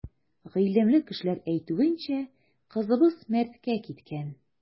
Гыйлемле кешеләр әйтүенчә, кызыбыз мәрткә киткән.